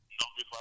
fu ngay sotti